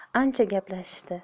ancha gaplashishdi